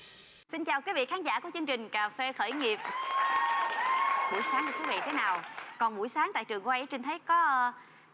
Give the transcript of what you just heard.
xin chào quý vị khán giả của chương trình cà phê khởi nghiệp buổi sáng quý vị thế nào còn buổi sáng tại trường quay á trinh thấy có